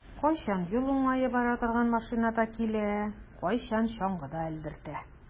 Кайчан юл уңаена бара торган машинада килә, кайчан чаңгыда элдертә.